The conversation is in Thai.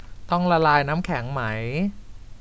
ต้องละลายน้ำแข็งไหม